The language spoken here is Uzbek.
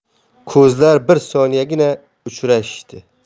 ko'zlar bir soniyagina uchrashdi